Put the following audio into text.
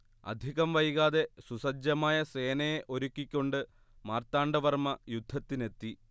അധികം വൈകാതെ സുസജ്ജമായ സേനയെ ഒരുക്കിക്കൊണ്ട് മാർത്താണ്ഡവർമ്മ യുദ്ധത്തിനെത്തി